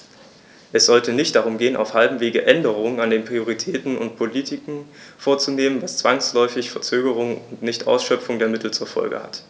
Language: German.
Es sollte nicht darum gehen, auf halbem Wege Änderungen an den Prioritäten und Politiken vorzunehmen, was zwangsläufig Verzögerungen und Nichtausschöpfung der Mittel zur Folge hat.